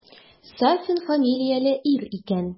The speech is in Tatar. Сафин фамилияле ир икән.